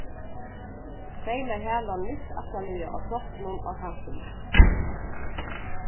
seyma halan mitt aftarlaga á kroppinum á kantinum